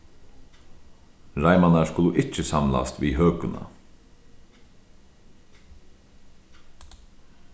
reimarnar skulu ikki samlast við høkuna